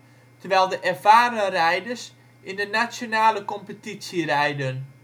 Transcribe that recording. terwijl de ervaren rijders in de Nationale Competitie rijden